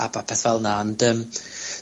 a popeth fel 'na ond yym,